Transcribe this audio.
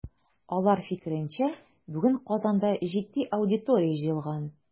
Алар фикеренчә, бүген Казанда җитди аудитория җыелган.